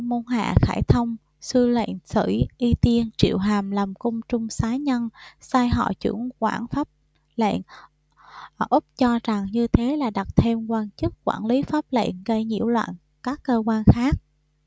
môn hạ khải thông sự lệnh sử y tiện triệu hàm làm cung trung xá nhân sai họ chưởng quản pháp lệnh úc cho rằng như thế là đặt thêm quan chức quản lý pháp lệnh gây nhiễu loạn các cơ quan khác